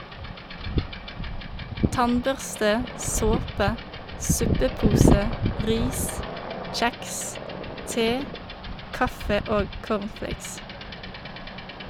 Tannbørste, såpe, suppepose , ris, kjeks, te, kaffe og cornflakes.